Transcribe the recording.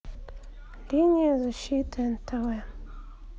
линия защиты нтв